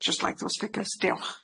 I'd just like those figures diolch.